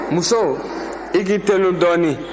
muso i k'i terun dɔɔnin